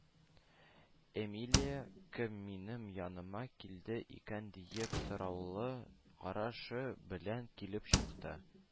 Эмилия, кем минем яныма килде икән диеп сораулы карашы белән килеп чыкты